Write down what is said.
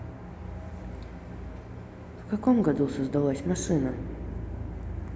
в каком году создалась машина